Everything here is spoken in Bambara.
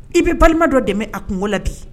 I bɛ balima dɔ dɛmɛ a kunkolo la bi